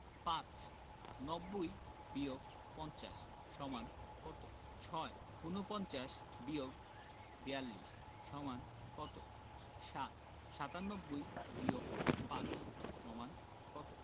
৫ ৯০ - ৫০ = কত ৬ ৪৯ - ৪২ = কত ৭ ৯৭ - ৫ = কত